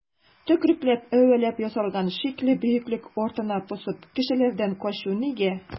Төкерекләп-әвәләп ясалган шикле бөеклек артына посып кешеләрдән яшеренү нигә?